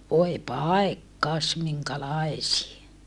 voi paikkasi minkälaisia